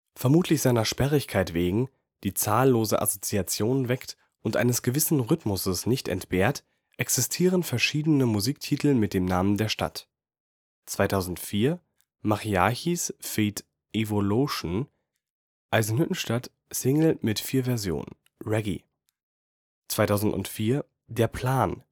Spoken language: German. Vermutlich seiner Sperrigkeit wegen, die zahllose Assoziationen weckt und eines gewissen Rhythmus nicht entbehrt, existieren verschiedene Musiktitel mit dem Namen der Stadt: 2004: Mariachis feat. Ivo Lotion: Eisenhüttenstadt. Single mit vier Versionen. (Reggae) 2004: Der Plan